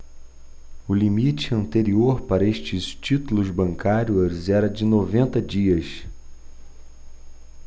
o limite anterior para estes títulos bancários era de noventa dias